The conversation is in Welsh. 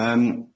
Yym.